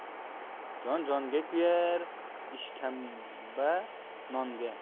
jon jonga kuyar ishkamba nonga